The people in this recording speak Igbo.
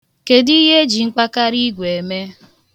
Kedu ihe e ji mkpakariigwe eme?